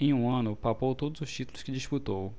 em um ano papou todos os títulos que disputou